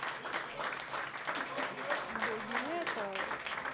baby metal